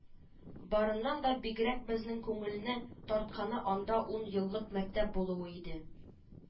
Барыннан да бигрәк безнең күңелне тартканы анда ун еллык мәктәп булуы иде